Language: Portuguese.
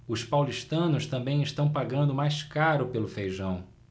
os paulistanos também estão pagando mais caro pelo feijão